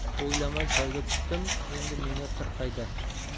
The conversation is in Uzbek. o'ylamay soyga tushdim endi menga qir qayda